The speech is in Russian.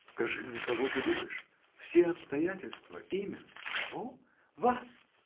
— Скажи мне, кого ты любишь, все обстоятельства, имя!. — Кого? — вас!